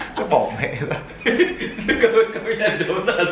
chắc bỏ mẹ luôn quá